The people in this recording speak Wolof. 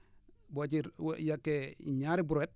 boo ci boo yekkee ñaari brouettes